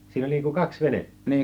siinä oli niin kuin kaksi venettä